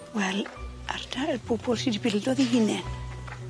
Wel ardal y bobol sy' 'di bildodd 'u hunen.